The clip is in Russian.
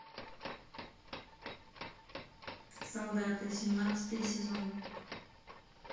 солдаты семнадцатый сезон